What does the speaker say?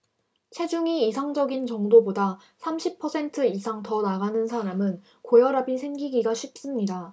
체중이 이상적인 정도보다 삼십 퍼센트 이상 더 나가는 사람은 고혈압이 생기기가 쉽습니다